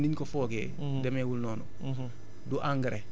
moom nit éni nit ñi niñ ko foogee